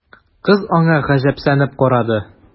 Кыз аңа гаҗәпсенеп карады.